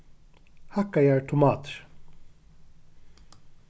hakkaðar tomatir